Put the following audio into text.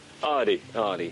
O ydi, o ydi.